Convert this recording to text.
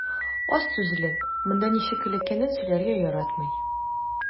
Аз сүзле, монда ничек эләккәнен сөйләргә яратмый.